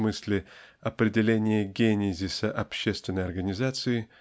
смысле определения генезиса общественной организации